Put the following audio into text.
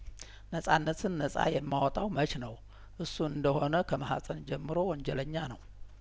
ነጻነትን ነጻ የማወጣው መች ነው እሱ እንደሆነ ከማህጸን ጀምሮ ወንጀለኛ ነው